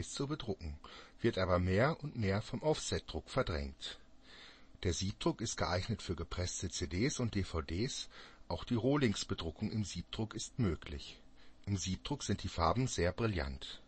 zu bedrucken, wird aber mehr und mehr vom Offsetdruck verdrängt. Der Siebdruck ist geeignet für gepresste CDs und DVDs, auch die Rohlingsbedruckung im Siebdruck ist möglich. Im Siebdruck sind die Farben sehr brillant